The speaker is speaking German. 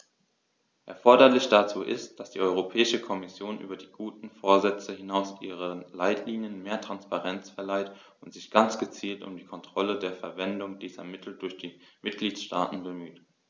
Erforderlich dazu ist, dass die Europäische Kommission über die guten Vorsätze hinaus ihren Leitlinien mehr Transparenz verleiht und sich ganz gezielt um die Kontrolle der Verwendung dieser Mittel durch die Mitgliedstaaten bemüht.